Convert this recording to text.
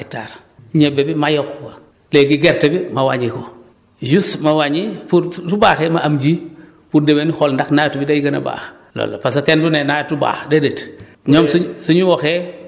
ma ne xaaral xaal bi ma def trois ou quatre hectares ñebe bi ma yokku ko léegi gerte bi ma wàññi ko juste ma wàññi pour su baaxee ma am ji pour déwén xool ndax nawet wi day gën a baax loolu la parce que kenn du ne nawet du baax déedéet